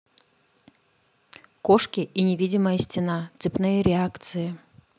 кошки и невидимая стена цепные реакции